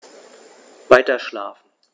Weiterschlafen.